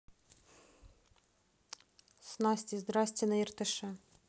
снасти здрасьте на иртыше